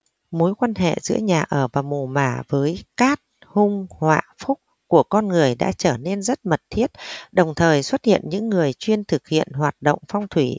mối quan hệ giữa nhà ở và mồ mả với cát hung họa phúc của con người đã trở nên rất mật thiết đồng thời xuất hiện những người chuyên thực hiện hoạt động phong thủy